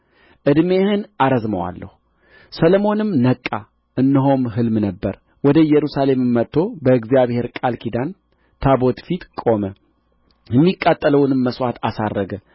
ዕድሜህን አረዝመዋለሁ ሰሎሞንም ነቃ እነሆም ሕልም ነበረ ወደ ኢየሩሳሌምም መጥቶ በእግዚአብሔር ቃል ኪዳን ታቦት ፊት ቆመ የሚቃጠለውንም መሥዋዕት አሳረገ